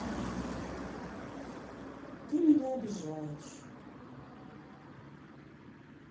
ты меня обижаешь